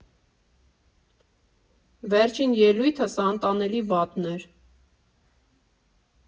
Վերջին ելույթս անտանելի վատն էր։